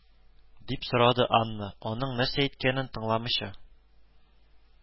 Дип сорады анна, аның нәрсә әйткәнен тыңламыйча